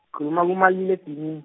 ngikhuluma kumalile edinini.